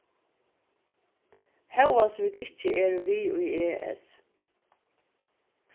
hóast vit ikki eru við í es